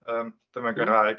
Yym dim yn Gymraeg.